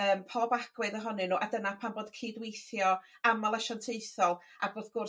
yym pob agwedd ohonyn nhw a dyna pam bod cydweithio amal asiantaethol ac wrth gwrs